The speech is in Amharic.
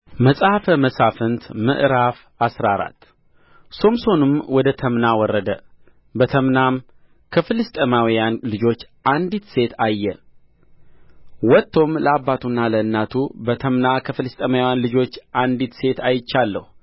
መጽሐፈ መሣፍንት ምዕራፍ አስራ አራት ሶምሶንም ወደ ተምና ወረደ በተምናም ከፍልስጥኤማውያን ልጆች አንዲት ሴት አየ ወጥቶም ለአባቱና ለእናቱ በተምና ከፍልስጥኤማውያን ልጆች አንዲት ሴት አይቻለሁ